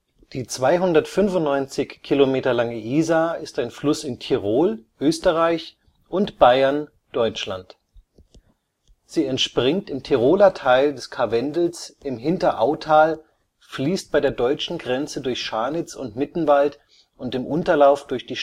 Die 295 km lange Isar ist ein Fluss in Tirol (Österreich) und Bayern (Deutschland). Sie entspringt im Tiroler Teil des Karwendels im Hinterautal, fließt bei der deutschen Grenze durch Scharnitz und Mittenwald und im Unterlauf durch die